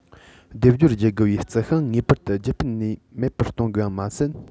སྡེབ སྦྱོར བགྱི དགོས པའི རྩི ཤིང ངེས པར དུ རྒྱུད སྤེལ ནུས མེད པར གཏོང དགོས པ མ ཟད